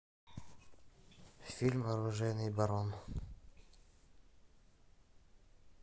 фильм оружейный барон